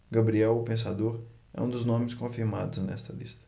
gabriel o pensador é um dos nomes confirmados nesta lista